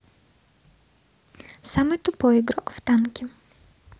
самый тупой игрок в танки